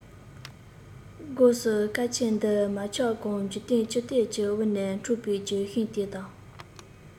སྒོས སུ སྐལ ཆེན འདི མ ཆགས གོང འཇིག རྟེན ཆུ གཏེར གྱི དབུས ན འཁྲུངས པའི ལྗོན ཤིང དེ དང